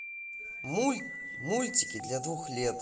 мультики для двух лет